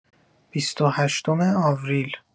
بیست و هشتم آوریل